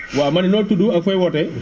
waaw ma ne noo tudd ak fooy wootee